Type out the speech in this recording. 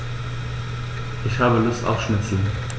Ich habe Lust auf Schnitzel.